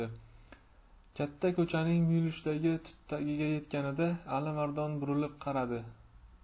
katta ko 'chaning muyulishidagi tut tagiga yetganda alimardon burilib qaradi